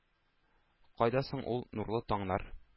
Кайда соң ул нурлы таңнар?